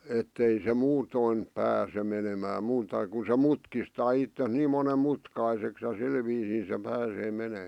että ei se muuten pääse menemään muuta kun se mutkistaa itsensä niin monen mutkaiseksi ja sillä viisiin se pääsee menemään